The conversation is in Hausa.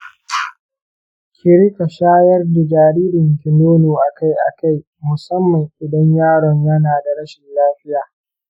ki riƙa shayar da jaririnki nono akai-akai, musamman idan yaron yana da rashin lafiya.